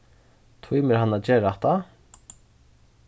tímir hann at gera hatta